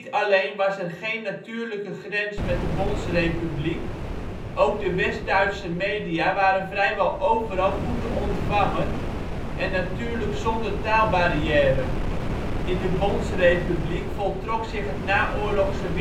alleen was er geen natuurlijke grens met de Bondsrepubliek, ook de West-Duitse media waren vrijwel overal goed te ontvangen, en natuurlijk zonder taalbarrière. In de Bondsrepubliek voltrok zich het naoorlogse